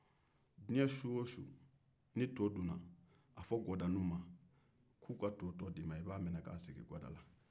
diɲɛ su o su ni to dunna a fɔ gadaninw k'u ka to tɔ d'i ma i b'a bila n ɲɛ